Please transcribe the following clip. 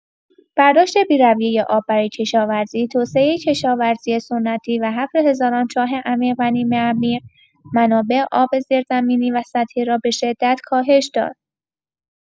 برداشت بی‌رویه آب برای کشاورزی: توسعه کشاورزی سنتی و حفر هزاران چاه عمیق و نیمه‌عمیق، منابع آب زیرزمینی و سطحی را به‌شدت کاهش داد.